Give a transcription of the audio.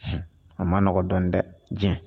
A ma n nɔgɔɔgɔ dɔn dɛ diɲɛ